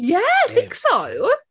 Yeah, I think so.